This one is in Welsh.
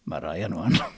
Mae'r rhai o nhw yn.